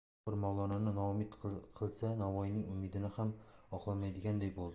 bobur mavlononi noumid qilsa navoiyning umidini ham oqlolmaydiganday bo'ldi